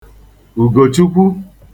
Ùgòchukwu